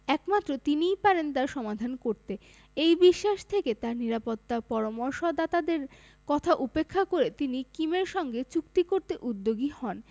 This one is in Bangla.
একমাত্র তিনিই পারেন তার সমাধান করতে এই বিশ্বাস থেকে তাঁর নিরাপত্তা পরামর্শদাতাদের কথা উপেক্ষা করে তিনি কিমের সঙ্গে চুক্তি করতে উদ্যোগী হন